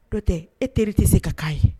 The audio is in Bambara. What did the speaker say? Dɔ tɛ e teri tɛ se ka'a ye